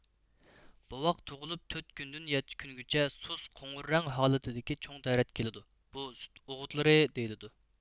بوۋاق تۇغۇلۇپ تۆت كۈندىن يەتتە كۈنگىچە سۇس قوڭۇر رەڭ ھالىتىدىكى چوڭ تەرەت كېلىدۇ بۇ سۈت ئوغۇتلىرى دېيىلىدۇ